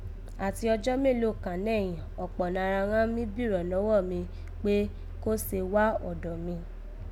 Nàti ọjọ́ mélòó kàn nẹ́ yìn, ọ̀kpọ̀ nara ghan mí bírọ̀ nọwọ́ mi kpé, kí gho se wa ọdọ mí?